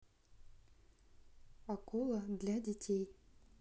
акула для детей